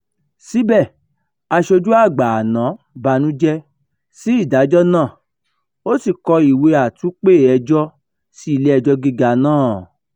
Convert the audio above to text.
Síbẹ̀, aṣojú àgbà àná banújẹ́ sí ìdájọ́ náà ó sì kọ ìwé àtúnpè-ẹjọ́ sí Ilé-ẹjọ́ Gíga náà: